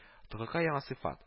ТКХ – яңа сыйфат